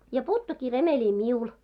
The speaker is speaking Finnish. ja puuttuikin remeli minulle